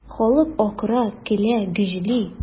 Халык акыра, көлә, гөжли.